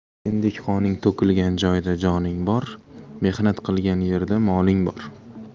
kindik qoning to'kilgan joyda joning bor mehnat qilgan yerda moling bor